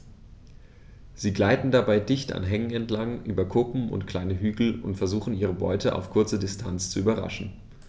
Sie gleiten dabei dicht an Hängen entlang, über Kuppen und kleine Hügel und versuchen ihre Beute auf kurze Distanz zu überraschen.